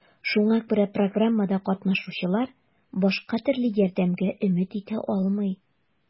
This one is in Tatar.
Шуңа күрә программада катнашучылар башка төрле ярдәмгә өмет итә алмый.